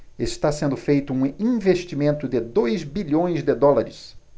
está sendo feito um investimento de dois bilhões de dólares